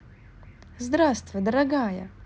здравствуй дорогая